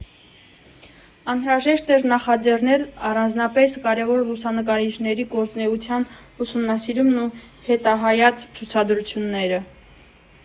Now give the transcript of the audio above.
Անհրաժեշտ էր նախաձեռնել առանձնապես կարևոր լուսանկարիչների գործունեության ուսումնասիրումն ու հետահայաց ցուցադրությունները։